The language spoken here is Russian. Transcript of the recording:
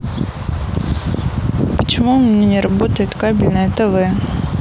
почему у меня не работает кабельное тв